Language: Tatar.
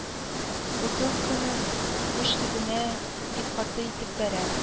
Бутылканы уч төбенә бик каты итеп бәрә